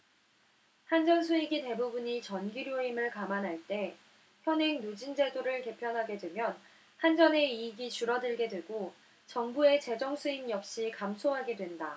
한전 수익의 대부분이 전기료임을 감안할 때 현행 누진제도를 개편하게 되면 한전의 이익이 줄어들게 되고 정부의 재정수입 역시 감소하게 된다